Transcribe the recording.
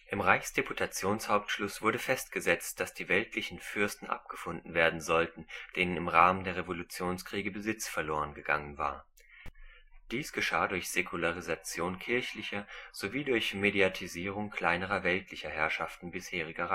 Reichsdeputationshauptschluss wurde festgesetzt, dass die weltlichen Fürsten abgefunden werden sollten, denen im Rahmen der Revolutionskriege Besitz verloren gegangen war (depossedierte Fürsten). Dies geschah durch Säkularisation kirchlicher sowie durch Mediatisierung kleinerer weltlicher Herrschaften bisheriger